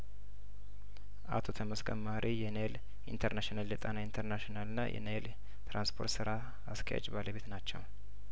አቶ ተመስገን መሀሪ የኔይል ኢንተርናሽናል የጣና ኢንተርናሽናልና የኔይል ትራንስፖርት ስራ አስኪያጅ ባለቤት ናቸው